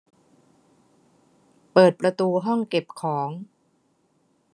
เปิดประตูห้องเก็บของ